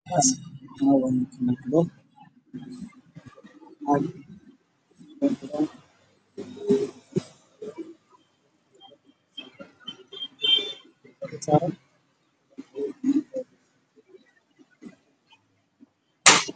Boonbale midabkiisu yahay madow ku jira dhago